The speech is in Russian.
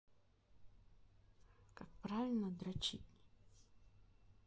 как правильно дрочить